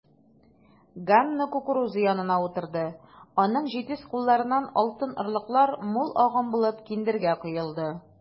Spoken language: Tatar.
Ганна кукуруза янына утырды, аның җитез кулларыннан алтын орлыклар мул агым булып киндергә коелды.